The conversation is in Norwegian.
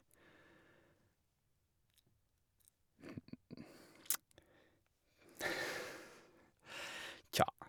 Tja.